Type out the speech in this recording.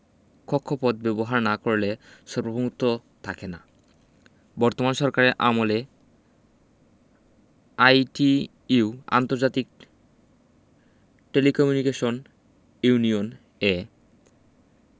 কক্ষপথ ব্যবহার না করলে সর্বভৌমত্ব থাকে না বর্তমান সরকারের আমলে আইটিইউ আন্তর্জাতিক টেলিকমিউনিকেশন ইউনিয়ন এ